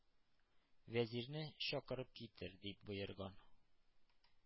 Вәзирне чакырып китер,— дип боерган.